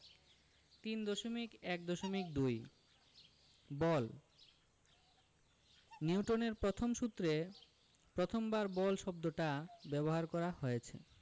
3.1.2 বল নিউটনের প্রথম সূত্রে প্রথমবার বল শব্দটা ব্যবহার করা হয়েছে